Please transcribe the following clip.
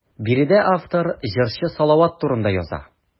Биредә автор җырчы Салават турында яза.